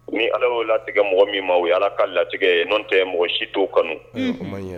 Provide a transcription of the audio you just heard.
Ni ala'o latigɛ mɔgɔ min ma u ala ka latigɛ n nɔ tɛ mɔgɔ si to kanu